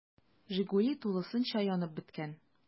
“жигули” тулысынча янып беткән.